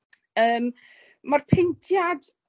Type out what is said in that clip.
yym ma'r peintiad